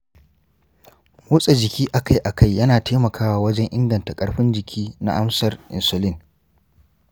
motsa jiki akai-akai yana taimakawa wajen inganta ƙarfin jiki na amsar insulin.